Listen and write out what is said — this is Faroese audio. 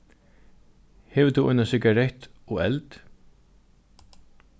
hevur tú eina sigarett og eld